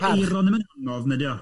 Dydi Eiron ddim yn anodd, nadi o?